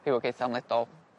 rhywogaetha amledol,